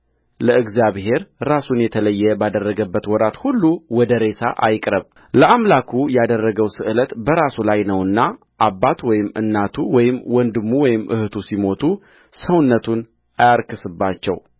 ለእግዚአብሔር ራሱን የተለየ ባደረገበት ወራት ሁሉ ወደ ሬሳ አይቅረብለአምላኩ ያደረገው እስለት በራሱ ላይ ነውና አባቱ ወይም እናቱ ወይም ወንድሙ ወይም እኅቱ ሲሞቱ ሰውነቱን አያርክስባቸው